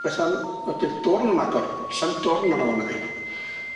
Beth am ydi'r dwrn yn agor? 'Sa'm dwrn arno fo medda 'i.